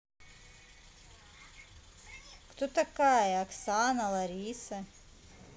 кто такая оксана лариса